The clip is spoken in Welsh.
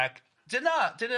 Ac dyna dyna